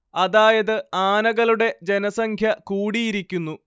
അതായത് ആനകളുടെ ജനസംഖ്യ കൂടിയിരിക്കുന്നു